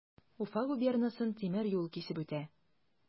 Уфа губернасын тимер юл кисеп үтә.